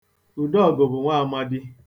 Udọgụ bụ nwaamadi.